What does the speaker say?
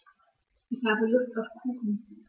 Ich habe Lust auf Kuchen.